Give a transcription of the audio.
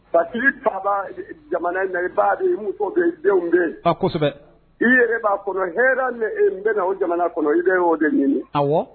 Parce que _ i fa ba jamana ni na, i bamuso, i denw kosɛbɛ, i yɛrɛ b'a kɔnɔ hɛrɛ min bɛ na la jamana in kɔnɔ i b'o de ɲini!